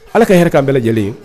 Ala ka hɛrɛ ka an bɛɛ lajɛlen ye